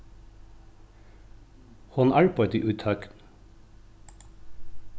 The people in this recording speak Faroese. hon arbeiddi í tøgn